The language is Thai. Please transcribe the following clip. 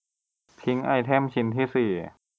ทิ้งไอเทมชิ้นที่สี่